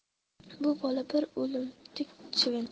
bu bola bir o'limtik chivin